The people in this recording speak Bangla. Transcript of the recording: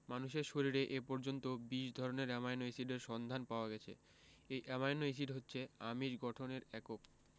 মানুষের শরীরে এ পর্যন্ত ২০ ধরনের অ্যামাইনো এসিডের সন্ধান পাওয়া গেছে এবং এই অ্যামাইনো এসিড হচ্ছে আমিষ গঠনের একক